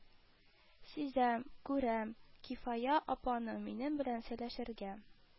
Сизәм, күрәм: Кифая апаның минем белән сөйләшергә